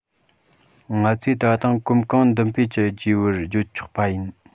ང ཚོས ད དུང གོམ གང མདུན སྤོས ཀྱིས རྒྱས པར བརྗོད ཆོག པ ཡིན